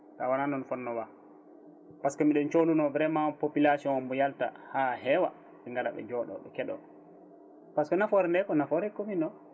taw wona noon fonno wa par ce que mbiɗen cohluno vraiment population o mbo yalta ha heewa ɓe gaara ɓe jooɗo ɓe keeɗo par ce que nafoore nde ko naffore commune o